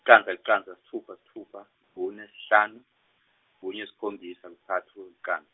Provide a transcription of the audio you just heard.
licandza licandza sitfupha sitfupha, kune, sihlanu, kunye, sikhombisa, kutsatfu, lican-.